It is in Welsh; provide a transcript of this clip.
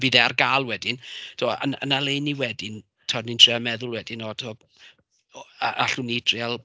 Fydd e ar gael wedyn timod a a 'na le 'y ni wedyn, timod ni'n trial meddwl wedyn, o tibod o a- allwn ni drial...